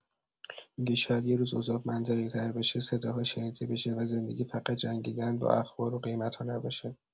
این که شاید یه روز اوضاع منطقی‌تر بشه، صداها شنیده بشه، و زندگی فقط جنگیدن با اخبار و قیمت‌ها نباشه.